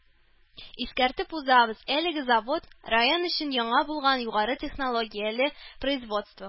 Искәртеп узабыз, әлеге завод – район өчен яңа булган югары технологияле производство